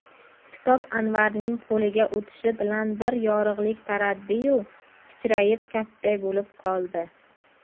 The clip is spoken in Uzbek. kitob anvarning qo'liga o'tishi bilan bir yorug'lik taratdiyu kichrayib kaftday bo'lib qoldi